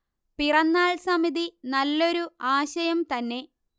പിറന്നാൾ സമിതി നല്ലൊരു ആശയം തന്നെ